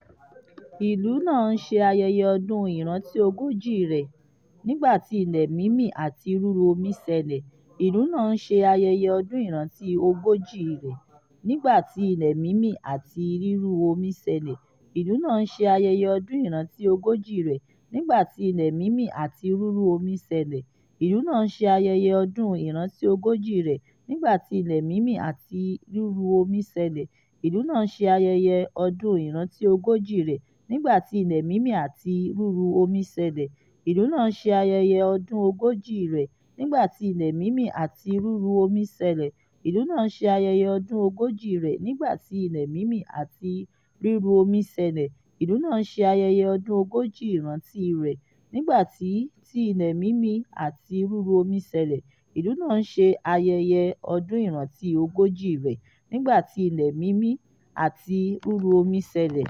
Ìlú náà ń ṣe ayẹyẹ ọdún ìrántí ogójì rẹ̀ Nígbà tí ilẹ̀ mímì àti rúrú omi ṣẹlẹ̀.